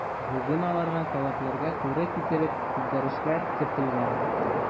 Бүген аларга таләпләргә туры китереп үзгәрешләр кертелгән.